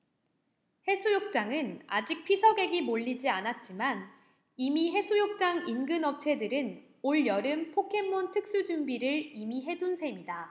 해수욕장은 아직 피서객이 몰리지 않았지만 이미 해수욕장 인근 업체들은 올 여름 포켓몬 특수 준비를 이미 해둔 셈이다